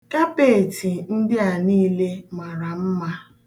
Kapeeti ndị a niile mara mma.